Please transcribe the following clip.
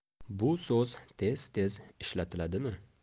bu so'z tez tez ishlatiladimi